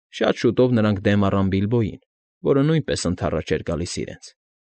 Շատ շուտով նրանք դեմ առան Բիլբոյին, որը նույնպես ընդառաջ էր գալիս իրենց։